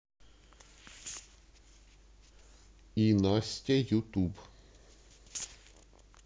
и настя ютуб